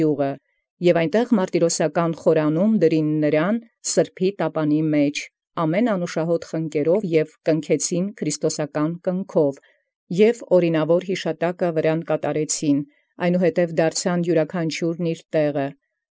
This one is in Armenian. Եւ անդ ի մարտիրոսական խորանին յարկեղ սրբոյն հանդերձ ամենայն անուշահոտ խնկաւք եդեալ և կնքեալ քրիստոսական կնքովն՝ և զաւրինաւոր յիշատակն ի վերայ կատարեալ, այնուհետև իւրաքանչիւրն դառնային։